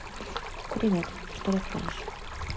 привет что расскажешь